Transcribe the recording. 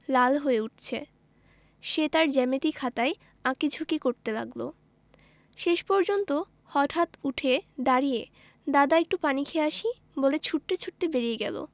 লাল হয়ে উঠছে সে তার জ্যামিতি খাতায় আঁকি ঝুকি করতে লাগলো শেষ পর্যন্ত হঠাৎ উঠে দাড়িয়ে দাদা একটু পানি খেয়ে আসি বলে ছুটতে ছুটতে বেরিয়ে গেল